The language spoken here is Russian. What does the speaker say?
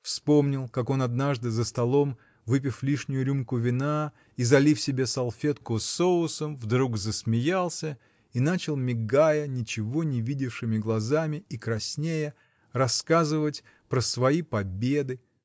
вспомнил, как он однажды за столом, выпив лишнюю рюмку вина и залив себе салфетку соусом, вдруг засмеялся и начал, мигая ничего не видевшими глазами и краснея, рассказывать про свои победы